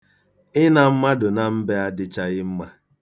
Ịna mmadụ na mbe adịchaghị mma.